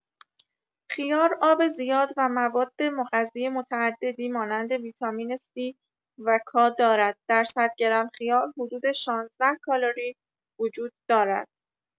خیار آب زیاد و مواد مغذی متعددی مانند ویتامین C و K دارد در ۱۰۰ گرم خیار حدود ۱۶ کالری وجود دارد.